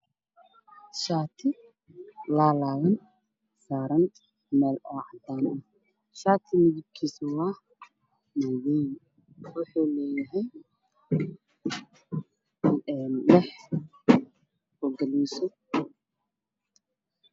Shaati laalaban saaran meel cadaan ah shaatiga waxa uu leyahay lix galuusa ah